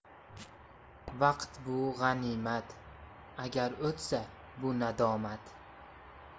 vaqt g'animat o'tsa nadomat